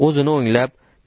o'zini o'nglab